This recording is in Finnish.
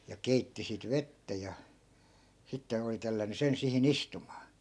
ja keitti sitten vettä ja sitten oli tellännyt sen siihen istumaan